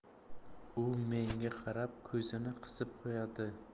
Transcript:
u menga qarab ko'zini qisib qo'yadi